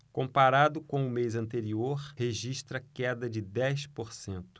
comparado com o mês anterior registra queda de dez por cento